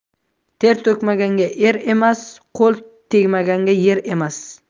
ter to'kmagan er emas qo'l tegmagan yer emas